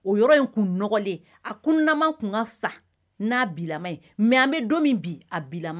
O yɔrɔ in kun n nɔgɔlen a ko na tun ka sa n'a bila mɛ an bɛ don min bi a